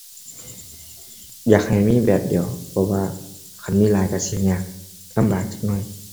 อยากให้มีแบบเดียว เพราะว่าคันมีหลายก็สิยาก ลำบากจักหน่อย